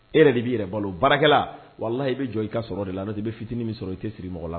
E yɛrɛ de b'i yɛrɛ balo baarakɛla wala i bɛ jɔ i ka sɔrɔ de la n'o i bɛ fitinin min sɔrɔ i tɛ siri mɔgɔ la